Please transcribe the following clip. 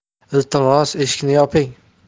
iltimos eshikni yoping